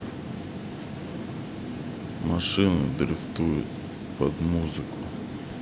машины дрифтуют под музыку